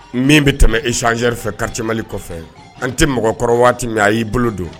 Min bɛ tɛmɛ eczeri karitimani kɔfɛ an tɛ mɔgɔkɔrɔ waati min a y'i bolo don